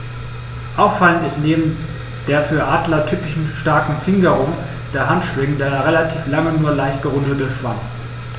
Auffallend ist neben der für Adler typischen starken Fingerung der Handschwingen der relativ lange, nur leicht gerundete Schwanz.